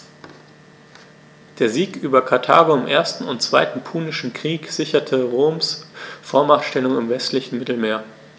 Der Sieg über Karthago im 1. und 2. Punischen Krieg sicherte Roms Vormachtstellung im westlichen Mittelmeer.